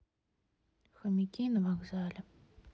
хомяки на вокзале